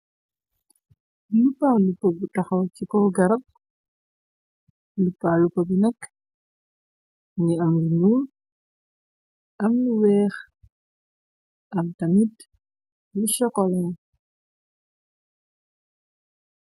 Lu paaluba bu taxaw ci kaw garab, lupaaluba bi nekk mungi am lu nuul am lu weex, am tanit lu chokola.